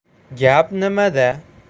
gap nimada